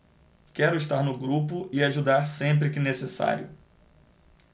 quero estar no grupo e ajudar sempre que necessário